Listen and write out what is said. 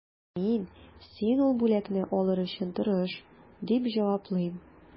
Ә мин, син ул бүләкне алыр өчен тырыш, дип җаваплыйм.